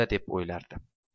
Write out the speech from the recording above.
deb o'ylardi